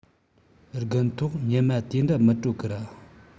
དགུན ཐོག ཉི མ དེ འདྲ མི དྲོ གི ར